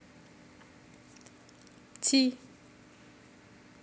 ty